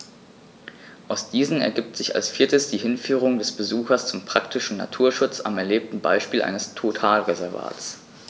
Aus diesen ergibt sich als viertes die Hinführung des Besuchers zum praktischen Naturschutz am erlebten Beispiel eines Totalreservats.